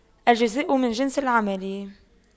الجزاء من جنس العمل